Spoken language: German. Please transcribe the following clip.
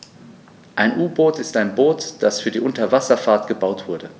Ein U-Boot ist ein Boot, das für die Unterwasserfahrt gebaut wurde.